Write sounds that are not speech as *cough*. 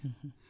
*hesitation* *hesitation*